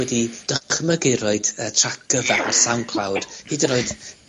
wedi dycmygu roid yy trac fatha ar SoundCloud, hyd yn oed.